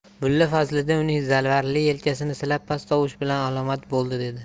mulla fazliddin uning zalvarli yelkasini silab past tovush bilan alomat bo'ldi dedi